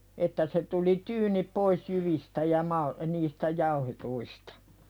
että se tuli tyyni pois jyvistä ja - niistä jauhetuista